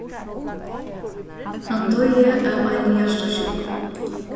hann doyði av eini hjartasjúku